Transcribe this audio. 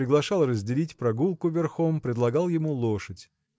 приглашал разделить прогулку верхом предлагал ему лошадь.